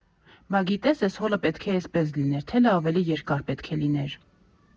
«Բա գիտես՝ էս հոլը պետք է էսպես լիներ, թելը ավելի երկար պետք է լիներ»։